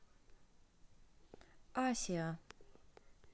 asia